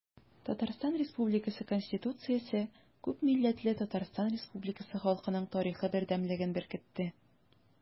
Татарстан Республикасы Конституциясе күпмилләтле Татарстан Республикасы халкының тарихы бердәмлеген беркетте.